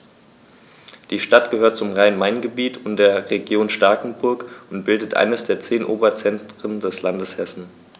Die Stadt gehört zum Rhein-Main-Gebiet und der Region Starkenburg und bildet eines der zehn Oberzentren des Landes Hessen.